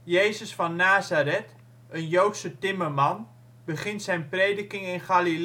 Jezus van Nazareth, een Joodse timmerman, begint zijn prediking in Galilea